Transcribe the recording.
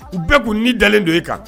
U bɛɛ k'u ni dalen dɔ e kan